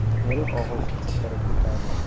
bir og'iz qistirib o'tardi